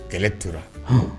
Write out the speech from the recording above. Kɛlɛ tora